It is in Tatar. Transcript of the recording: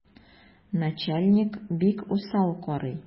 Начальник бик усал карый.